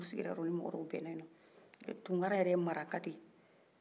tukara yɛrɛ ye maraka de ye